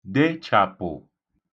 dechàpụ̀